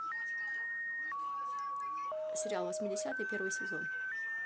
сериал восьмидесятые первый сезон